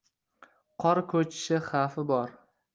qor ko'chishi xavfi bor